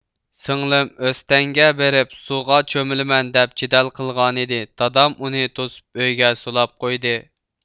سىڭلىم ئۆستەڭگە بېرىپ سۇغا چۆمۈلىمەن دەپ جېدەل قىلغانىدى دادام ئۇنى توسۇپ ئۆيگە سولاپ قويدى